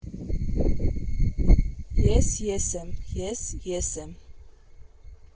Ես եմ, ես եմ…